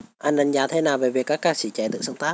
anh đánh giá thế nào về việc các ca sĩ trẻ tự sáng tác